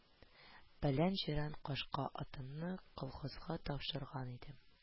Белән җирән кашка атымны колхозга тапшырган идем